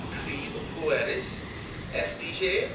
cryf pwerus Eff Dee Jay.